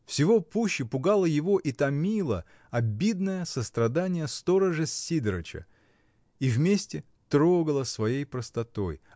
Всего пуще пугало его и томило обидное сострадание сторожа Сидорыча, и вместе трогало своей простотой.